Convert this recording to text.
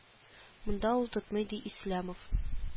Монда ул тотмый ди ислямов